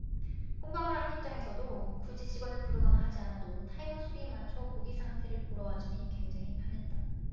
혼밥을 하는 입장에서도 굳이 직원을 부르거나 하지 않아도 타이머 소리에 맞춰 고기 상태를 보러 와주니 굉장히 편했다